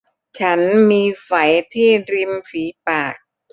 ฉันมีไฝที่ริมฝีปาก